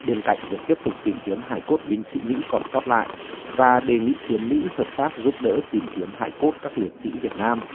bên cạnh việc tiếp tục tìm kiếm hài cốt binh sĩ mỹ còn sót lại và đề nghị phía mỹ hợp tác giúp đỡ tìm kiếm hài cốt các liệt sỹ việt nam